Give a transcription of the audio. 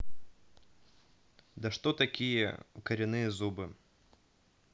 да что такие коренные зубы